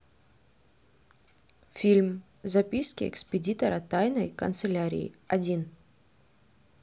фильм записки экспедитора тайной канцелярии один